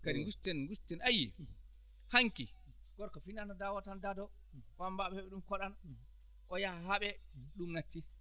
kadi ngusten ngusten a yiyii hanki gorko finatno dawa tan dadoo wammbaaɓe heɓe ɗum koɗan o yaha o haɓee ɗum natti